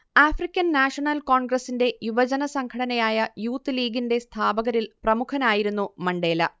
African National കോൺഗ്രസ്സിന്റെ യുവജനസംഘടനയായ Youth ലീഗിന്റെ സ്ഥാപകരിൽ പ്രമുഖനായിരുന്നു മണ്ടേല